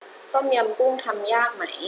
ต้มยำกุ้งทำยากไหม